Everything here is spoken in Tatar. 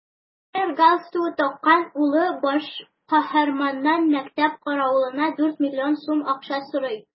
Пионер галстугы таккан улы баш каһарманнан мәктәп каравылына дүрт миллион сум акча сорый.